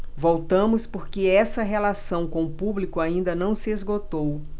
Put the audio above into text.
voltamos porque essa relação com o público ainda não se esgotou